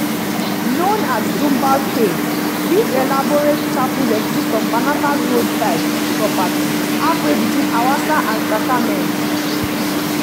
Known as Dunbar Caves, these elaborate chapels exist on Banatah's roadside property halfway between Hawassa and Shashamene.